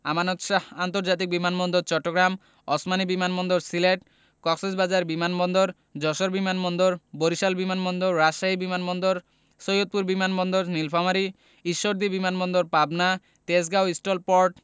আমানত শাহ্ আন্তর্জাতিক বিমান বন্দর চট্টগ্রাম ওসমানী বিমান বন্দর সিলেট কক্সবাজার বিমান বন্দর যশোর বিমান বন্দর বরিশাল বিমান বন্দর রাজশাহী বিমান বন্দর সৈয়দপুর বিমান বন্দর নিলফামারী ঈশ্বরদী বিমান বন্দর পাবনা তেজগাঁও স্টল পোর্ট